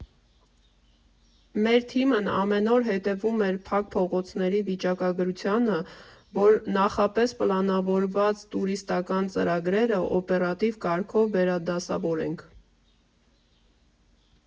Մեր թիմն ամեն օր հետևում էր փակ փողոցների վիճակագրությանը, որ նախապես պլանավորված տուրիստական ծրագրերը օպերատիվ կարգով վերադասավորենք։